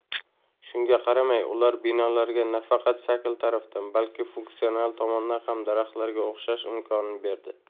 shunga qaramay ular binolarga nafaqat shakl tarafdan balki funksional tomondan ham daraxtlarga o'xshash imkonini berdi